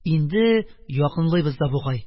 Инде якынлыйбыз да бугай: